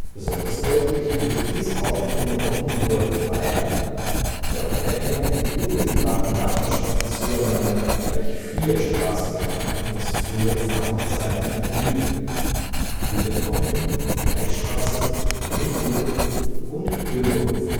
Besonders deutlich wird dies auch in Rottenburg-Weiler (noch im Albvorland gelegen), dort erinnern in unmittelbarer Nachbarschaft zueinander gleich vier Straßennamen an das frühere Vorhandensein einer Hüle: Hülenbäumen, Teichstraße, Lehmgrube und Hülbehof